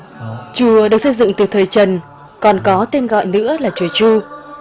chùa được xây dựng từ thời trần còn có tên gọi nữa là chùa chu